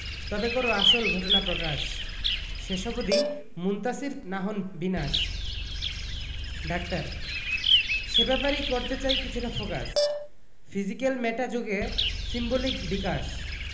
তবে করো আসল ঘটনা প্রকাশ শেষ অবধি মুনতাসীর না হন বিনাশ ডাক্তার সে ব্যাপারেই করতে চাই কিছুটা ফোকাস ফিজিক্যাল মেটা যোগে সিম্বলিক বিকাশ